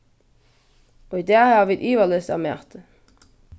í dag hava vit ivaleyst av mati